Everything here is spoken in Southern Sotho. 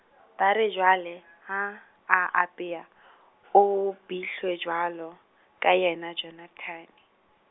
ba re Joele , ha a ipeha o behilwe jwalo, ka yena Jonathane.